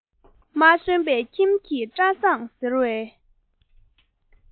མ སོན པའི ཁྱིམ གྱི བཀྲ བཟང ཟེར བའི